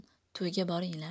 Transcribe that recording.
to'yga boringlar